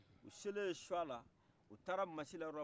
u sele suala u taara masila yɔrɔla